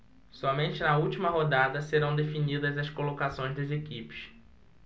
somente na última rodada serão definidas as colocações das equipes